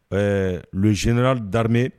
Ɛɛ le général d'armée